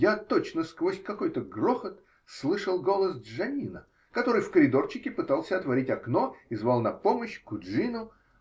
Я точно сквозь какой-то грохот слышал голос Джаннино, который в коридорчике пытался отворить окно и звал на помощь куджину.